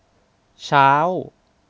เช้า